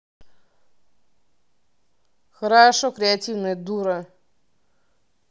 хорошо криативная дура